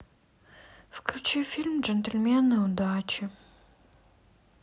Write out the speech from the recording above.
включи фильм джентльмены удачи